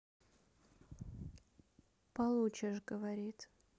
получишь говорит